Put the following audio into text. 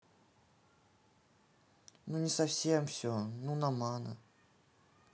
ну не совсем все ну намана